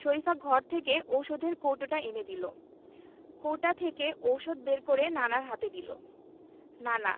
শরিফা ঘর থেকে ঔষধের কৌটোটা এনে দিল কৌটা থেকে ঔষধ বের করে নানার হাতে দিল নানা